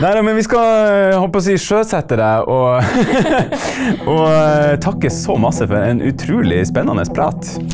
nei da, men vi skal holdt på å si sjøsette det og og takke så masse for en utrolig spennende prat.